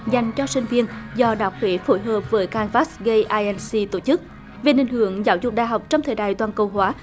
dành cho sinh viên do đại học huế phối hợp với can vát gây ai em si tổ chức về định hướng giáo dục đại học trong thời đại toàn cầu hóa